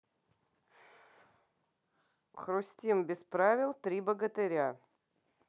хрустим без правил три богатыря